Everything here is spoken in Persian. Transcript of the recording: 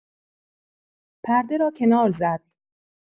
پرده را کنار زد.